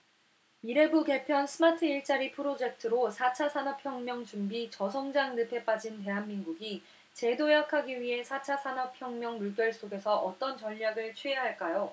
미래부 개편 스마트일자리 프로젝트로 사 차 산업혁명 준비 저성장 늪에 빠진 대한민국이 재도약하기 위해 사 차 산업혁명 물결 속에서 어떤 전략을 취해야 할까요